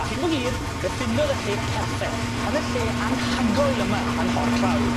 A chyn bo hir, fe ffindodd y lle perffeth yn y lle anhygoel yma yn Nhorclawdd.